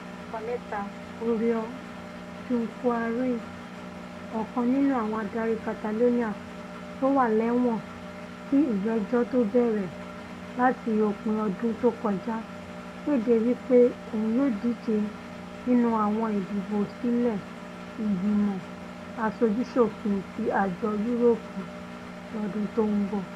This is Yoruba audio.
Lọ́jọ́ Àbámẹ́ta, Oriol Junqueras, ọ̀kan nínú àwọn adarí Catalonia tówà lẹ́wọ̀n kí ìgbẹ́jọ́ tó bẹ̀rẹ̀ láti òpin ọdún tó kọjá, kéde wí pé òun yóò díje nínú àwọn ìdìbò sílé Ìgbímọ̀ Aṣojú-ṣòfin ti Àjọ Yúróòpù lọ́dún tó ńbọ̀.